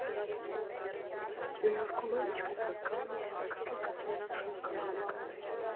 Նյու Յորքում էլ, ինչպես հասկանում եք, հետաքրքիր գծեր շատ կարելի է գտնել։